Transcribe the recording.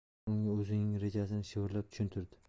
tohir unga o'zining rejasini shivirlab tushuntirdi